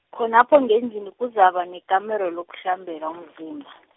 khonapho ngendlini kuzaba nekamero lokuhlambela umzimba.